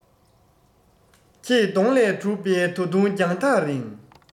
ཁྱེད གདོང ལས གྲུབ པའི ད དུང རྒྱང ཐག རིང